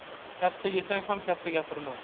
katta yesang ham katta gapirma